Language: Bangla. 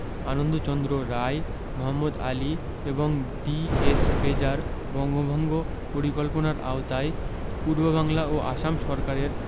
আনন্দচন্দ্র রায় মোহাম্মদ আলী এবং ডি.এস. ফ্রেজার বঙ্গভঙ্গ পরিকল্পনার আওতায় পূর্ববাংলা ও আসাম সরকারের